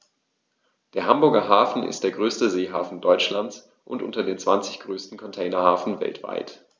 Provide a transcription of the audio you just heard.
Der Hamburger Hafen ist der größte Seehafen Deutschlands und unter den zwanzig größten Containerhäfen weltweit.